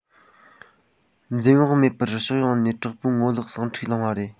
འཛེམ བག མེད པར ཕྱོགས ཡོངས ནས དྲག པོའི ངོ ལོག ཟིང འཁྲུག བསླངས པ རེད